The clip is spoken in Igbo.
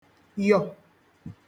yọ̀